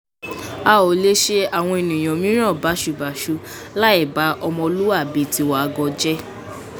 A ò lè ṣe àwọn ènìyàn mìíràn báṣubàṣu láì ba ọmọlúwàbí tiwa gan jẹ́.